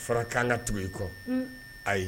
A fɔra k'an ka tugu i kɔ, ayi.